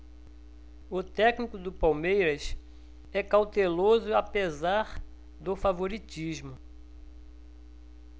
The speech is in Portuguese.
o técnico do palmeiras é cauteloso apesar do favoritismo